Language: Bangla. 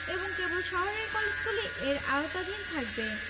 এবং কেবল শহরের কলেজগুলি এর আওতাধীন থাকবে